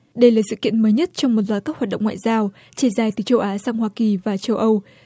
đây là sự kiện mới nhất trong một loạt các hoạt động ngoại giao trải dài từ châu á sang hoa kỳ và châu âu